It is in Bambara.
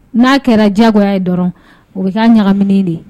N'a kɛra jɛgo ye dɔrɔn o bɛ taa ɲagaminɛ de